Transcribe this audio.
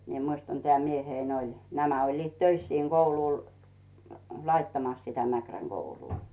minä muistan tämä mieheni oli nämä olivat töissä siinä koululla laittamassa sitä Mäkrän koulua